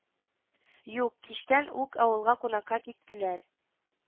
Юк кичтән үк авылга кунакка киттеләр